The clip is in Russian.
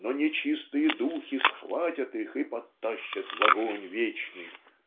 но нечистые духи схватят их и потащат в огонь вечный.